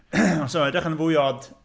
So edrych yn fwy od...